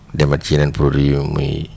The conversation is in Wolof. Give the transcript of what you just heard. demeet ci yeneen produits yu muy